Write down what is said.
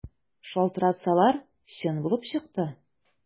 Шалтыратсалар, чын булып чыкты.